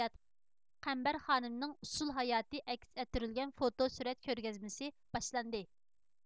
قەمبەرخانىمنىڭ ئۇسسۇل ھاياتىي ئەكس ئەتتۈرۈلگەن فوتو سۈرەت كۆرگەزمىسى باشلاندى